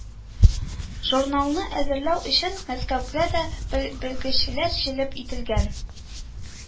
Журналны әзерләү өчен Мәскәүдән дә белгечләр җәлеп ителгән